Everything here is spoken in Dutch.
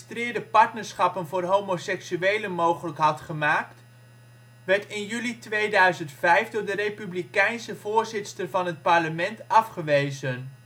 voor homoseksuelen mogelijk had gemaakt, werd in juli 2005 door de Republikeinse voorzitster van het parlement afgewezen